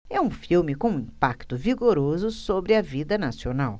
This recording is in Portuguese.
é um filme com um impacto vigoroso sobre a vida nacional